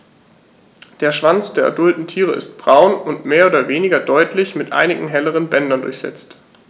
Der Schwanz der adulten Tiere ist braun und mehr oder weniger deutlich mit einigen helleren Bändern durchsetzt.